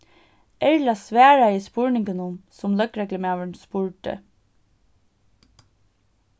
erla svaraði spurningunum sum løgreglumaðurin spurdi